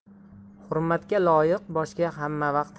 hurmatga loyiq boshga hammavaqt